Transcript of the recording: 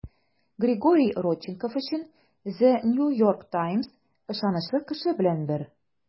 Григорий Родченков өчен The New York Times ышанычлы кеше белән бер.